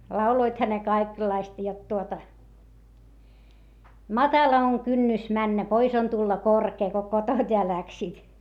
lauloivathan ne kaikenlaista jotta tuota matala on kynnys mennä pois on tulla korkea kun kotoa ja lähtivät